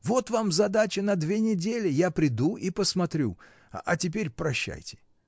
Вот вам задача на две недели: я приду и посмотрю. А теперь прощайте.